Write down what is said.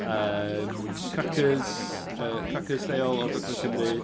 Yym cracyrs yy cracyrs lleol o Gogledd Cymru.